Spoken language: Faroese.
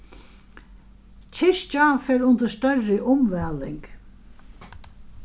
kirkja fer undir størri umvæling